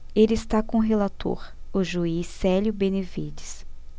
ele está com o relator o juiz célio benevides